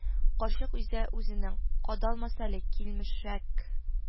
Карчык исә үзенең: "Кадалмас әле, килмешәк